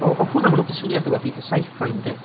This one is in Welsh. o hwnna ma'n swnio fatha rywbeth eitha sci-fi yndi?